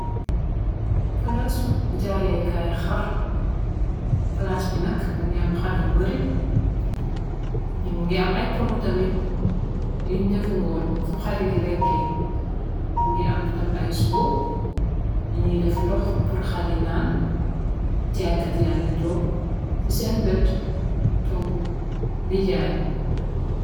Palasi jayeh lai kharr palals bi nak mungi ame kharr yu bari mungi am aye ponuh tamit yunye def ngonye fu kharr yi di lekeh mungi am tam aye siyo yu def ndox pur kharr yi nan jaye kat yange tok si sen wet di jaye